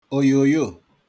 oyoyo